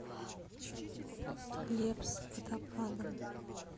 лепс водопадом